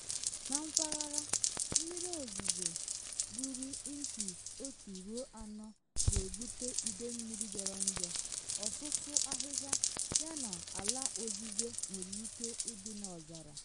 Na mpaghara, mmiri ozizo ruru 1 ruo 4 inchis ga-ebute ide mmiri jọrọ njọ, ọsụsọ ahịhịa yana ala ọzịze nwere ike ịdị n’ọzara.